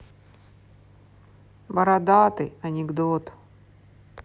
бородатый анекдот